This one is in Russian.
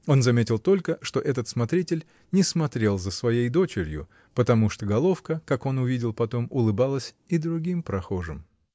Он заметил только, что этот смотритель не смотрел за своей дочерью, потому что головка, как он увидел потом, улыбалась и другим прохожим.